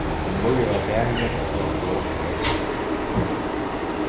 sum líður á dagin eitt lot vestan